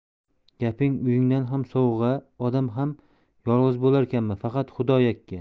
gaping uyingdan ham sovuq a odam ham yolg'iz bo'larkanmi faqat xudo yakka